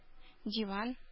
Диван